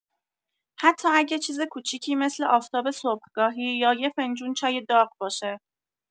حتی اگه چیز کوچیکی مثل آفتاب صبحگاهی یا یه فنجون چای داغ باشه.